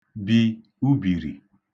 bì ubìrì